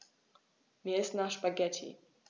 Mir ist nach Spaghetti.